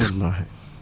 walaahi